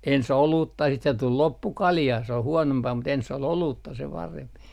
ensin olutta sitten se tuli loppu kaljaa se on huonompaa mutta ensin oli olutta se parempi